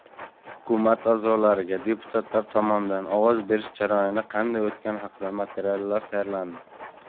hukumat a'zolariga deputatlar tomonidan ovoz berish jarayoni qanday o'tgani haqida material tayyorladi